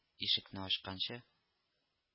Ишекне ачканчы: